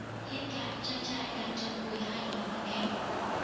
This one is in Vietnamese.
hiện tại trang trại đang chăn nuôi hai nghìn con heo